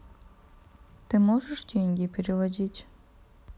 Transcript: ты можешь деньги переводить